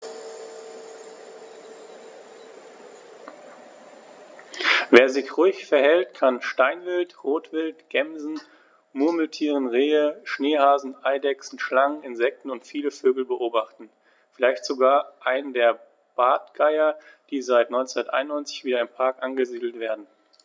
Wer sich ruhig verhält, kann Steinwild, Rotwild, Gämsen, Murmeltiere, Rehe, Schneehasen, Eidechsen, Schlangen, Insekten und viele Vögel beobachten, vielleicht sogar einen der Bartgeier, die seit 1991 wieder im Park angesiedelt werden.